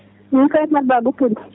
min Fatimata Ba Guppuli